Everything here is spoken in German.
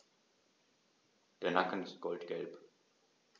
Der Nacken ist goldgelb.